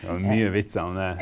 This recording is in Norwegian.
ja mye vitser om det.